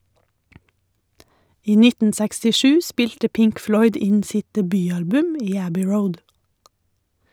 I 1967 spilte Pink Floyd inn sitt debutalbum i Abbey Road.